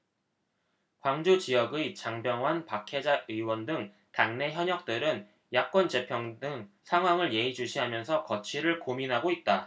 광주지역의 장병완 박혜자 의원 등 당내 현역들은 야권 재편 등 상황을 예의주시하면서 거취를 고민하고 있다